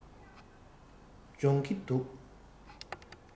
སྦྱོང གི འདུག